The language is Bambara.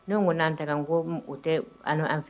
Ne ko n'an ta n ko tɛ an an fɛ